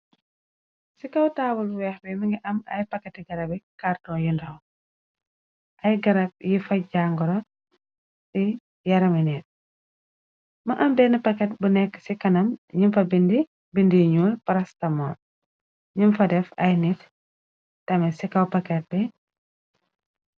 Ci kaw taawul weex bi mi ngi am ay pakati garabi kàrton yu ndaw, ay garab yi fa jàngoro i yarami nit. Ma am benn pakat bu nekk ci kanam ñim fa bindi bindiñul prastamo , nim fa def ay nit tami ci kaw pakat bi.